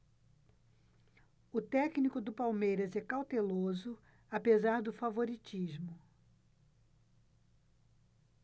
o técnico do palmeiras é cauteloso apesar do favoritismo